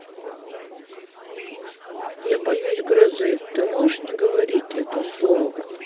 я боюсь грозы ты можешь не говорить это слово